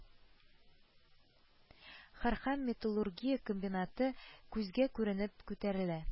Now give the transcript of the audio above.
Һәр һәм металлургия комбинаты күзгә күренеп күтәрелә